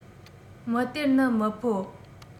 མི སྟེར ནི མི ཕོད